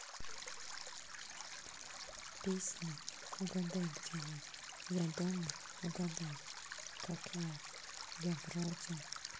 песня угадай где я я дома угадай как я я вроде